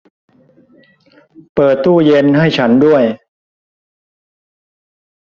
เปิดตู้เย็นให้ฉันด้วย